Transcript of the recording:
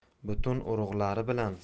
butun urug'lari bilan